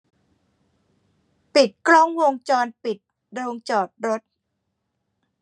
ปิดกล้องวงจรปิดโรงจอดรถ